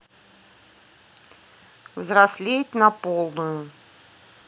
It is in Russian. взрослеть на полную